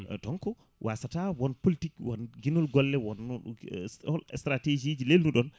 donc wasata won politique won guinnuɗo golle won st hol stratégie ji lelnuɗon